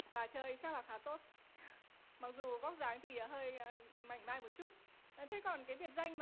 và chơi chắc là khá tốt mặc dù vóc dáng thì hơi mảnh mai một chút thế còn cái biệt danh